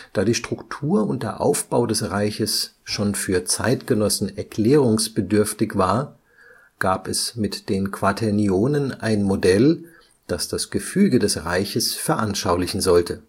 Da die Struktur und der Aufbau des Reiches schon für Zeitgenossen erklärungsbedürftig war, gab es mit den Quaternionen ein Modell, das das Gefüge des Reiches veranschaulichen sollte